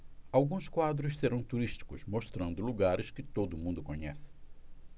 alguns quadros serão turísticos mostrando lugares que todo mundo conhece